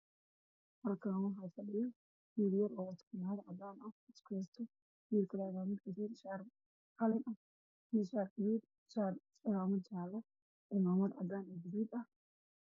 Waa masaajid waxaa fadhiya wiilal waxa ay wataan khamiisyo iyo cimaamada iyo fanaanado